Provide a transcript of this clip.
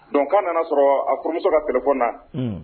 Don k'a nana sɔrɔ aurunmuso ka kɛlɛkona